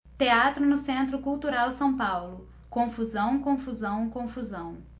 teatro no centro cultural são paulo confusão confusão confusão